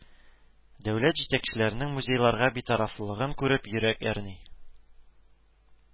Дәүләт җитәкчелегенең музейларга битарафлыгын күреп йөрәк әрни